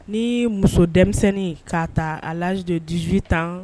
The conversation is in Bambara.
Ni y'i i muso denmisɛnnin ka ta à l'âge de 18 ans